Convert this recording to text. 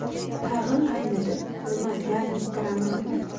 tag'in aynidi nima yalinib kiramanmi